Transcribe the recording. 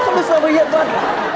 không được sờ vào hiện vật